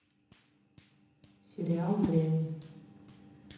сериал дрянь